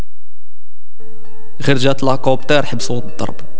خرجت العكوب ترحب صوت الطرب